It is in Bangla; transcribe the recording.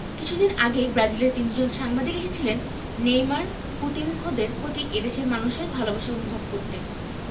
কিছুদিন আগেই ব্রাজিলের তিনজন সাংবাদিক এসেছিলেন নেইমার কুতিনহোদের প্রতি এ দেশের মানুষের ভালোবাসা অনুভব করতে